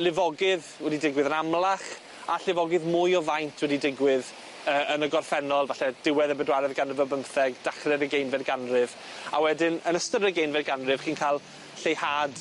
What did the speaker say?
lifogydd wedi digwydd yn amlach a llifogydd mwy o faint wedi digwydd yy yn y gorffennol falle diwedd y bedwaredd ganrif ar bymtheg, dachre'r ugeinfed ganrif a wedyn yn ystod yr ugeinfed ganrif chi'n ca'l lleihad.